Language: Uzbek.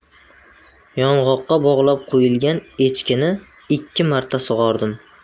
yong'oqqa bog'lab qo'yilgan echkini ikki marta sug'ordim